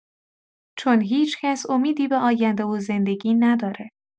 چون هیچکس امیدی به آینده و زندگی نداره.